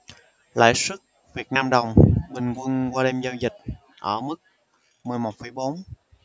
lãi suất việt nam đồng bình quân qua đêm giao dịch ở mức mười một phẩy bốn